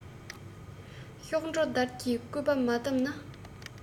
གཤོག སྒྲོ དར གྱིས སྐུད པས མ བསྡམས ན